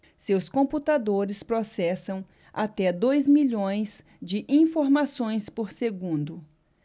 seus computadores processam até dois milhões de informações por segundo